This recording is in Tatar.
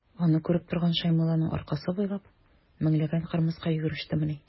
Аны күреп торган Шәймулланың аркасы буйлап меңләгән кырмыска йөгерештемени.